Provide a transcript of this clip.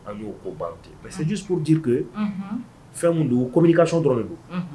A ko'te parcejiururu di fɛn tun don ko' i ka sɔnɔrɔ don